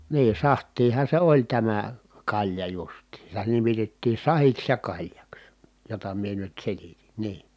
niin sahtiahan se oli tämä kalja justiinsa sitä nimitettiin sahdiksi ja kaljaksi jota minä nyt selitin niin